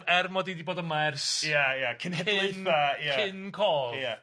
er mod i 'di bod yma ers... Ia ia. ...cenhedlu? Cyn 'na ia. Cyn cof. Ia.